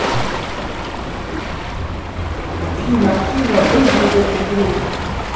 афина афина выйди из этой игры